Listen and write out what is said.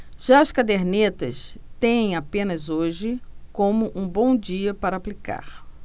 já as cadernetas têm apenas hoje como um bom dia para aplicar